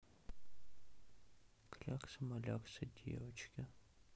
клякса малякса девочки